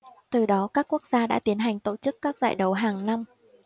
từ đó các quốc gia đã tiến hành tổ chức các giải đấu hàng năm